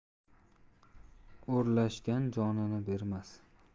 o'rlashgan jonini bermas